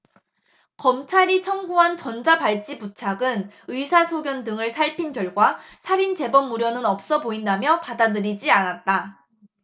검찰이 청구한 전자발찌 부착은 의사 소견 등을 살핀 결과 살인 재범 우려는 없어 보인다며 받아들이지 않았다